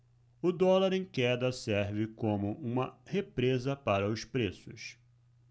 o dólar em queda serve como uma represa para os preços